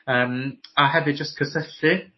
Yym a hefyd jyst cysylltu